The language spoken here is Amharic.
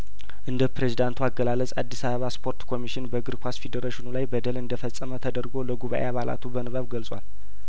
እንደ ፕሬዚዳንቱ አገላለጽ አዲስ አበባ ስፖርት ኮሚሽን በእግር ኳስ ፊዴሬሽኑ ላይ በደል እንደፈጸመ ተደርጐ ለጉባኤ አባላቱ በንባብ ገልጿል